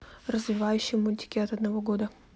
развивающие мультики от одного года